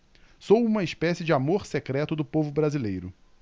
sou uma espécie de amor secreto do povo brasileiro